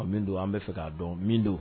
Min don an bɛ fɛ k'a dɔn min